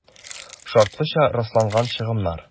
«шартлыча расланган чыгымнар»